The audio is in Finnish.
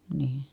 niin